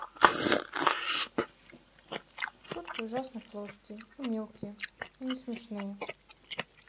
шутки ужасно плоские и мелкие и не смешные